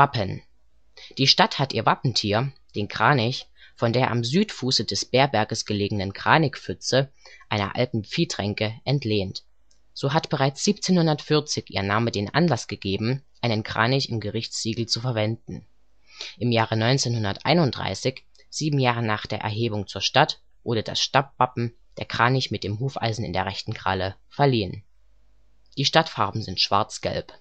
Die Stadt hat ihr Wappentier, den Kranich, von der am Südfuße des Beerberges gelegenen Kranichpfütze, einer alten Viehtränke, entlehnt. So hat bereits 1740 ihr Name den Anlass gegeben einen Kranich im Gerichtssiegel zu verwenden. Im Jahre 1931, sieben Jahre nach der Erhebung zur Stadt, wurde das Stadtwappen, der Kranich mit dem Hufeisen in der rechten Kralle, verliehen. Die Stadtfarben sind Schwarz-Gelb